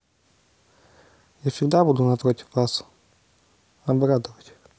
я всегда буду непротив вас обрадовать